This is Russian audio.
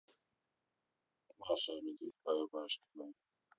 маша и медведь баю баюшки баю